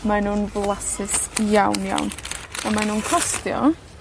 Mae nw'n flasus iawn, iawn, a mae nw'n costio,